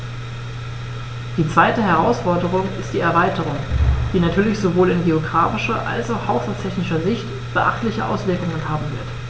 Die zweite Herausforderung ist die Erweiterung, die natürlich sowohl in geographischer als auch haushaltstechnischer Sicht beachtliche Auswirkungen haben wird.